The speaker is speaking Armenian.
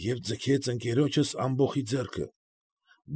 Եվ ձգեց ընկերոջս ամբոխի ձեռքը։